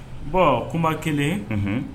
Bɔn kumaba kelen